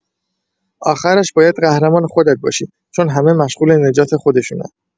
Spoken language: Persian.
آخرش بایدقهرمان خودت باشی؛ چون همه مشغول نجات خودشونن!